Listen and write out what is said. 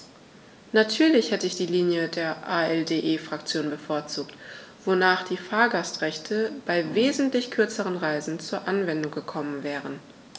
Natürlich hätte ich die Linie der ALDE-Fraktion bevorzugt, wonach die Fahrgastrechte bei wesentlich kürzeren Reisen zur Anwendung gekommen wären.